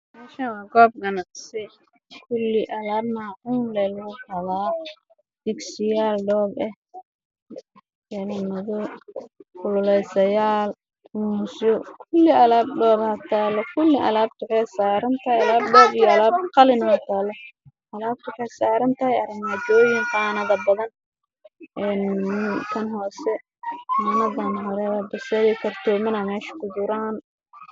Meeshaan waa goob ganacsi waxaa yaalo maacuun